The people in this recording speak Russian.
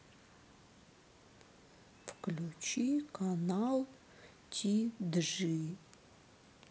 включи канал ти джи